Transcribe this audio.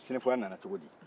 sɛnɛfɔya nana cogodi